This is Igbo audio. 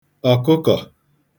ọ̀kụkọ̀